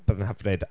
Yy, bydd yn hyfryd.